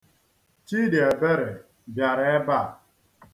Chidịebere bịara ebe a.